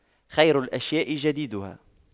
خير الأشياء جديدها